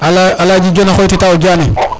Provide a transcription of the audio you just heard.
Aladji Dione xoytita o a Diane